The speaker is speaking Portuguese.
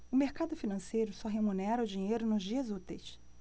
o mercado financeiro só remunera o dinheiro nos dias úteis